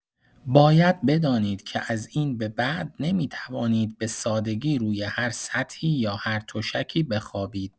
باید بدانید که از این به بعد نمی‌توانید به‌سادگی روی هر سطحی یا هر تشکی بخوابید.